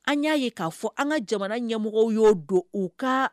An y'a ye k'a fɔ an ka jamana ɲɛmɔgɔ y'o don u ka